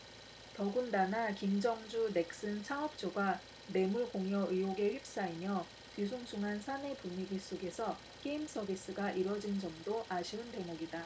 더군다나 김정주 넥슨 창업주가 뇌물 공여 의혹에 휩싸이며 뒤숭숭한 사내 분위기 속에서 게임 서비스가 이뤄진 점도 아쉬운 대목이다